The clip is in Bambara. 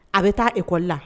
A bɛ taa ekɔ la